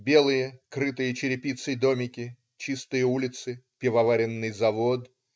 Белые, крытые черепицей домики, чистые улицы, пивоваренный завод.